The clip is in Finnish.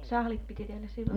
sahdit piti tehdä silloin